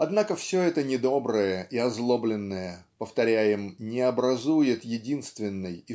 Однако все это недоброе и озлобленное повторяем не образует единственной